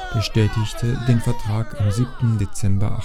am 7. Dezember 1815